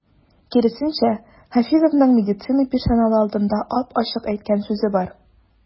Киресенчә, Хафизовның медицина персоналы алдында ап-ачык әйткән сүзе бар.